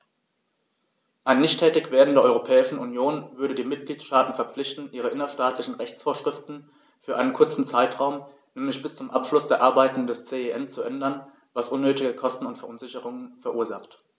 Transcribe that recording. Ein Nichttätigwerden der Europäischen Union würde die Mitgliedstaten verpflichten, ihre innerstaatlichen Rechtsvorschriften für einen kurzen Zeitraum, nämlich bis zum Abschluss der Arbeiten des CEN, zu ändern, was unnötige Kosten und Verunsicherungen verursacht.